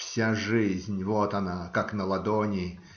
Вся жизнь - вот она, как на ладони.